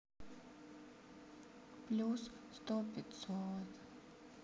плюс сто пятьсот